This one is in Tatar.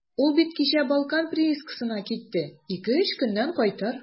Ул бит кичә «Балкан» приискасына китте, ике-өч көннән кайтыр.